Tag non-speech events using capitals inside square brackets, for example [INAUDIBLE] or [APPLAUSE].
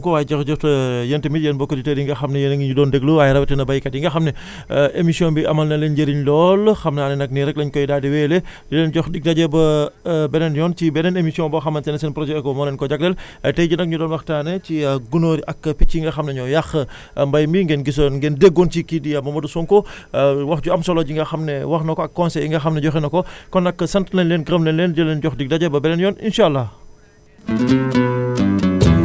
[HESITATION] jërëjëf kon Momadou Sonko waaye jërëjëf [HESITATION] yéen tamit yéen mbokku auditeurs yi nga xam ne yéen a ngi ñu doon déglu waaye rawtina béykat yi nga xam ne [BREATH] émission bi amal na leen njëriñ lool xam naa ne nag nii rek lañ koy daal di wéyalee [BREATH] di leen jox dig daje ba [HESITATION] beneen yoon ci beneen émission boo xamante ne seen projet ECHO moo leen koy jagleel [BREATH] tey jii nag ñu doon waxtaanee ci gunóor ak picc yi nga xam ne ñoo yàq [BREATH] mbéy mi ngeen gisoon ngeen déggoon ci kii di Momadou Sonko [BREATH] [HESITATION] wax ju am solo ji nga xam ne wax na ko ak conseils yi nga xam ne joxe na ko [BREATH] kon nag sant nañ leen gërëm leen di leen jox dig daje ba beneeen yoon incha allah